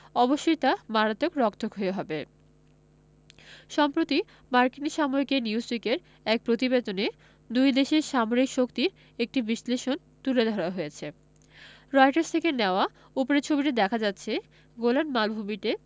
অবশ্যই তা মারাত্মক রক্তক্ষয়ী হবে সম্প্রতি মার্কিন সাময়িকী নিউজউইকের এক প্রতিবেদনে দুই দেশের সামরিক শক্তির একটি বিশ্লেষণ তুলে ধরা হয়েছে রয়টার্স থেকে নেয়া উপরের ছবিটিতে দেখা যাচ্ছে গোলান মালভূমিতে